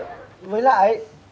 với lại